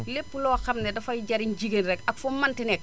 lépp loo xam ne dafay jariñ jigéen rek ak fu mu mënti nekk